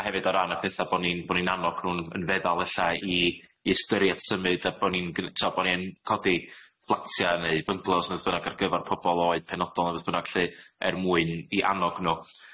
a hefyd o ran y petha bo' ni'n bo' ni'n annog nw'n yn feddal ella i i ystyri at symud a bo' ni'n gne- t'o' bo' ni yn codi flatia neu bynglos ne' wbeth bynnag ar gyfar pobol oed penodol ne' wbeth bynnag lly er mwyn i annog nw.